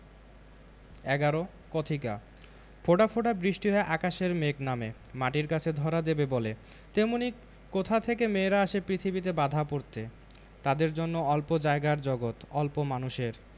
১১ কথিকা ফোঁটা ফোঁটা বৃষ্টি হয়ে আকাশের মেঘ নামে মাটির কাছে ধরা দেবে বলে তেমনি কোথা থেকে মেয়েরা আসে পৃথিবীতে বাঁধা পড়তে তাদের জন্য অল্প জায়গার জগত অল্প মানুষের